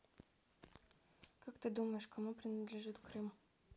как ты думаешь кому принадлежит крым